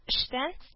- эштән... -